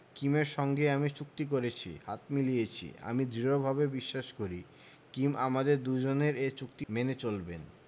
কিমের সঙ্গে আমি চুক্তি করেছি হাত মিলিয়েছি আমি দৃঢ়ভাবে বিশ্বাস করি কিম আমাদের দুজনের এ চুক্তি মেনে চলবেন